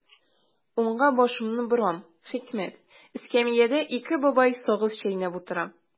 Уңга башымны борам– хикмәт: эскәмиядә ике бабай сагыз чәйнәп утыра.